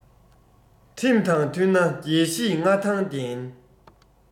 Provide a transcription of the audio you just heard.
ཁྲིམས དང མཐུན ན རྒྱལ གཞིས མངའ ཐང ལྡན